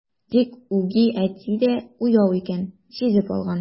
Тик үги әти дә уяу икән, сизеп алган.